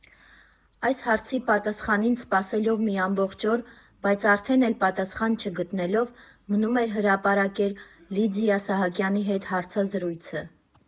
Այս հարցի պատասխանին սպասելով մի ամբողջ օր, բայց այդպես էլ պատասխան չգտնելով՝ մնում էր հրապարակել Լիդիա Սահակյանի հետ հարցազրույցը։